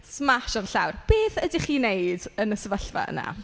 Smash ar y llawr. Beth ydych chi'n wneud yn y sefyllfa yna?